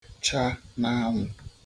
cha n'anwụ̄